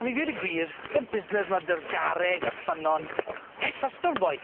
On' i ddweud y gwir, 'dy'r busnes 'ma 'dy'r garreg a'r ffynnon, sai'n trysto'r boi.